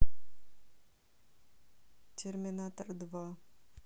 терминатор два